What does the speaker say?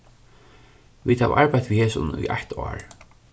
vit hava arbeitt við hesum í eitt ár